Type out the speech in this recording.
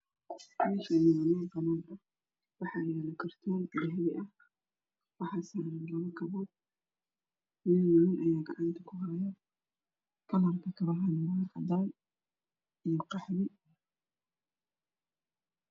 Meeshaani waa meel banaan ah waxaa yaalo kartoon dahabi ah waxaa saaran labo kabood midna nin ayaa gacanta ku hayo kalarka kabana waa cadaan iyo qaxwi